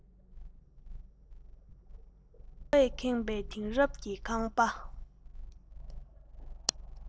ཀ བས ཁེངས པས དེང རབས ཀྱི ཁང པ